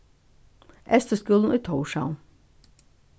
eysturskúlin í tórshavn